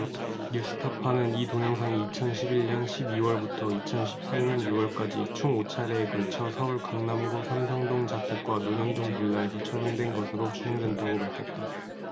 뉴스타파는 이 동영상이 이천 십 일 년 십 이 월부터 이천 십 삼 년 유 월까지 총 오 차례에 걸쳐 서울 강남구 삼성동 자택과 논현동 빌라에서 촬영된 것으로 추정된다고 밝혔다